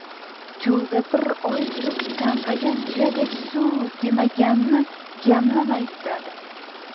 cho'lda bir oy yurib chanqagan tuyadek suv demaganni yamlamay yutadi